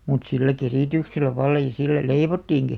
mutta sillä kerityksellä vallan ja sillä leivottiinkin